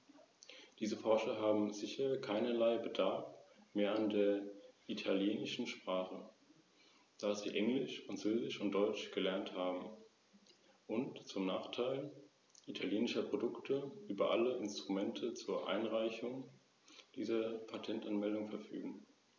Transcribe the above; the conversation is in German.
Der Geltungsbereich der Verordnung umfasst Touren ab 250 Kilometern, Busreisende haben nun ein Recht auf Schadensersatz bei Annullierung von Reisen, Überbuchung oder bei Verspätung von mehr als zwei Stunden.